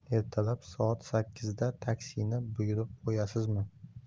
ertalab soat sakkizda taksini buyurib qo'yasizmi